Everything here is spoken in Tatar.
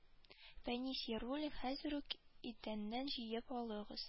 Фәнис яруллин хәзер үк идәннән җыеп алыгыз